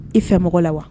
I fɛ fɛn mɔgɔ la wa